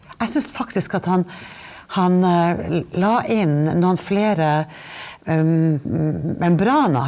jeg syns faktisk at han han la inn noen flere membraner.